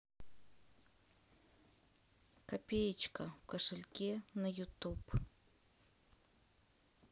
копеечка в кошельке на ютуб